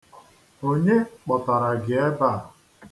Onye kpọtara gị ebe a?